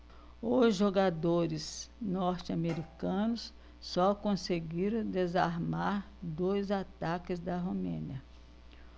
os jogadores norte-americanos só conseguiram desarmar dois ataques da romênia